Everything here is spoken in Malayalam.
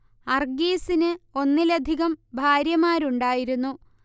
അർഗീസിന് ഒന്നിലധികം ഭാര്യമാരുണ്ടായിരുന്നു